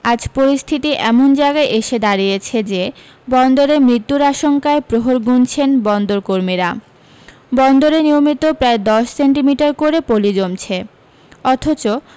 আজ পরিস্থিতি এমন জায়গায় এসে দাঁড়িয়েছে যে বন্দরের মৃত্যুর আশঙ্কায় প্রহর গুনছেন বন্দর কর্মীরা বন্দরে নিয়মিত প্রায় দশ সেন্টিমিটার করে পলি জমছে অথচ